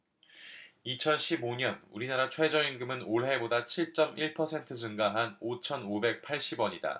이천 십 오 년 우리나라 최저임금은 올해보다 칠 쩜 일 퍼센트 증가한 오천 오백 팔십 원이다